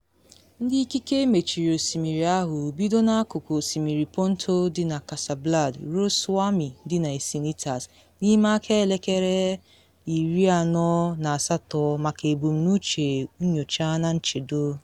Ndị ikike mechiri osimiri ahụ bido na Akụkụ Osimiri Ponto dị na Casablad ruo Swami dị na Ecinitas n’ime aka elekere 48 maka ebumnuche nnyocha na nchedo.